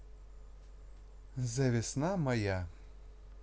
the весна моя